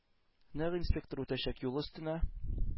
Нәкъ инспектор үтәчәк юл өстенә